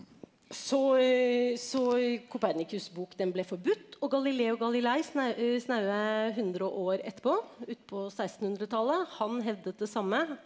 så så Kopernikus' bok den ble forbudt og Galileo Galilei snaue 100 år etterpå utpå sekstenhundretallet han hevdet det samme.